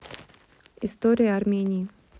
история армении